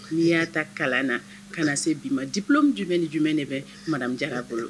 N'i y'a ta kalan na ka na se bi ma di jumɛn ni jumɛn de bɛ maraja'a bolo